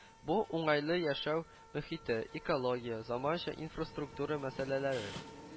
Бу - уңайлы яшәү мохите, экология, заманча инфраструктура мәсьәләләре